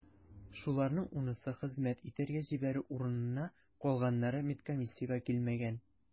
Шуларның унысы хезмәт итәргә җибәрү урынына, калганнары медкомиссиягә килмәгән.